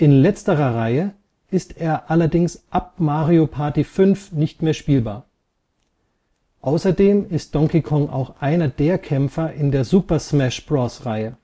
letzterer Reihe ist er allerdings ab Mario Party 5 nicht mehr spielbar. Außerdem ist Donkey Kong auch einer der Kämpfer in der Super Smash Bros.-Reihe